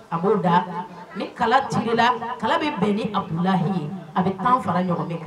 A b'o da ni kala tirer la kala be bɛn ni Abdulahi ye a be 10 fara ɲɔgɔmɛ kan